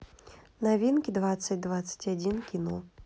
новинки двадцать двадцать один кино